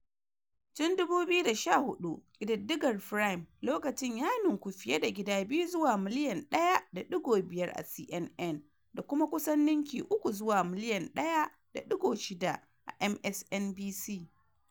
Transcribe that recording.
Tun 2014, kididdigar firayim lokaci ya nunku fiye da gida biyu zuwa miliyan 1.05 a CNN da kuma kusan nunki uku zuwa miliyan 1.6 a MSNBC.